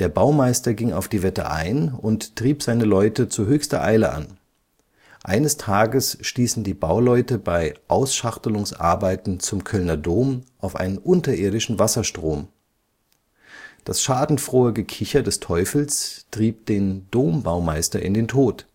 Baumeister ging auf die Wette ein und trieb seine Leute zu höchster Eile an. Eines Tages stießen die Bauleute bei Ausschachtungsarbeiten zum Kölner Dom auf einen unterirdischen Wasserstrom. Das schadenfrohe Gekicher des Teufels trieb den Dombaumeister in den Tod